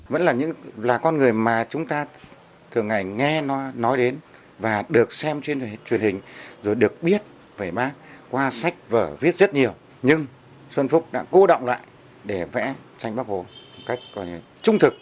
vẫn là những là con người mà chúng ta thường ngày nghe nói nói đến và được xem trên truyền hình rồi được biết về bác qua sách vở viết rất nhiều nhưng xuân phúc đã cô đọng lại để vẽ tranh bác hồ cách coi như là trung thực